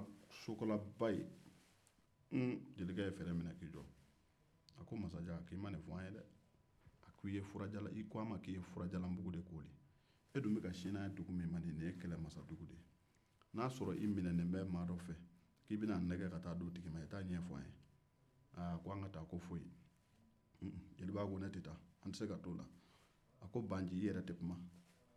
e dun bɛka sin n'an ye dugu min ma nin ye nin ye ni ye kɛlɛmasadugu ye n'a y'a sɔrɔ i minɛnen be maa dɔ fɛ k'i bɛna an nɛgɛn ka taa an di o ma i t'o fɔ an ye a ko an ka taa ko foyi jeliba ko ne tɛ taa a ko baa nci i yɛrɛ tɛ kuma